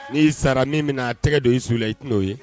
N'i sara min bɛna na a tɛgɛ don i su la i t n'o ye